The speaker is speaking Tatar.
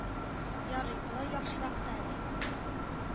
Ярый, болай яхшырак та әле